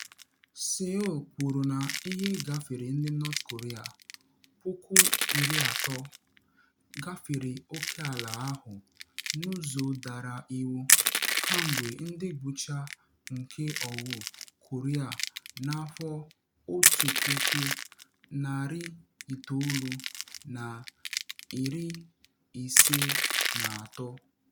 Seoul kwuru na ihe gafere ndị North Korea 30,000 gafere oke ala ahụ n’ụzọ dara iwu kemgbe ngwụcha nke Ọgụ Korea na 1953.